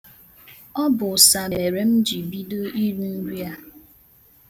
Ọ bụ ụsa mere m ji bido iri nri a.